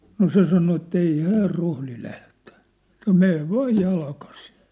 no se sanoi että ei hän rohdi lähteä että menee vain jalkaisin